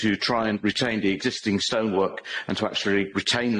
to try and retain the existing stonework and to actually retain